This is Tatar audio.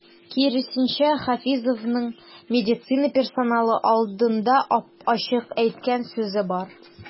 Киресенчә, Хафизовның медицина персоналы алдында ап-ачык әйткән сүзе бар.